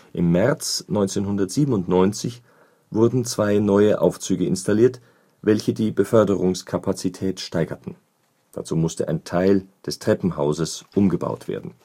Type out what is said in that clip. Im März 1997 wurden zwei neue Aufzüge installiert, welche die Beförderungskapazität steigerten. Dazu musste ein Teil des Treppenhauses umgebaut werden